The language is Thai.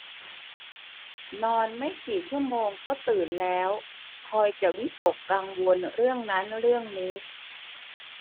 นอนไม่กี่ชั่วโมงก็ตื่นแล้วคอยจะวิตกกังวลเรื่องนั้นเรื่องนี้